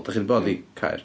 Da chi 'di bod i Caer?